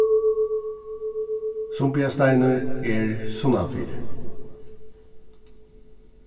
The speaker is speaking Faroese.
sumbiarsteinur er sunnanfyri